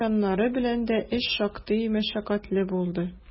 Тозлау чаннары белән дә эш шактый мәшәкатьле булды.